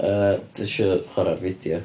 Yy dwi isio chwarae'r fideo.